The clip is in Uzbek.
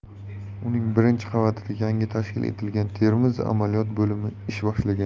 uning birinchi qavatida yangi tashkil etilgan termiz amaliyot bo'limi ish boshlagan